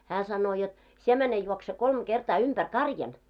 hän sanoo jotta sinä mene juokse kolme kertaa ympäri karjan